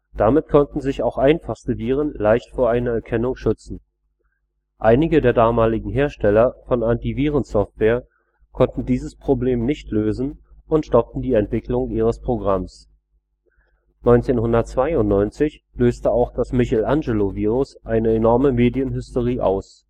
Damit konnten sich auch einfachste Viren leicht vor einer Erkennung schützen. Einige der damaligen Hersteller von Antiviren-Software konnten dieses Problem nicht lösen und stoppten die Entwicklung ihres Programms. 1992 löste auch das Michelangelo-Virus eine enorme Medienhysterie aus